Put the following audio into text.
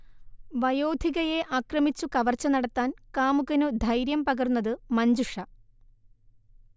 വയോധികയെ ആക്രമിച്ചു കവർച്ച നടത്താൻ കാമുകനു ധൈര്യം പകർന്നതു മഞ്ജുഷ